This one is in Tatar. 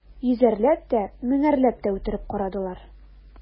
Йөзәрләп тә, меңәрләп тә үтереп карадылар.